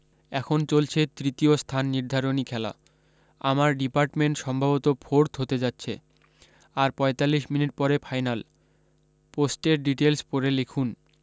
এখন চলছে তৃতীয় স্থান নির্ধারণী খেলা আমার ডিপার্টমেণ্ট সম্ভবত ফোর্থ হতে যাচ্ছে আর পঁয়তাল্লিশ মিনিট পরে ফাইনাল পোস্টের ডিটেলস পরে লিখুন